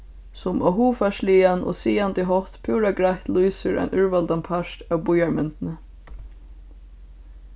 sum á hugfarsligan og sigandi hátt púra greitt lýsir ein úrvaldan part av býarmyndini